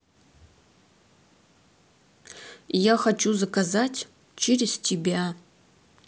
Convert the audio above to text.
я хочу заказать через тебя